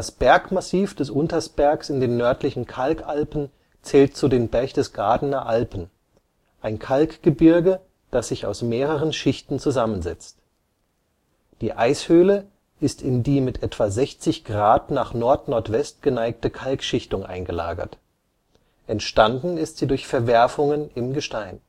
Bergmassiv des Untersbergs in den nördlichen Kalkalpen zählt zu den Berchtesgadener Alpen, ein Kalkgebirge, das sich aus mehreren Schichten zusammensetzt. Die Eishöhle ist in die mit etwa 60 Grad nach Nordnordwest geneigte Kalkschichtung eingelagert. Entstanden ist sie durch Verwerfungen im Gestein